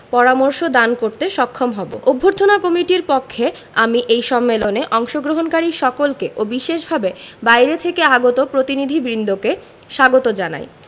পরামর্শ দান করতে সক্ষম হবো অভ্যর্থনা কমিটির পক্ষে আমি এই সম্মেলনে অংশগ্রহণকারী সকলকে ও বিশেষভাবে বাইরে থেকে আগত প্রতিনিধিবৃন্দকে স্বাগত জানাই